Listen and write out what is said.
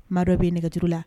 Maa dɔ bɛ nɛgɛjuru la